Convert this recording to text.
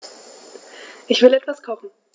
Ich will etwas kochen.